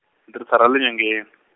ni tirisa ra le nyongeni.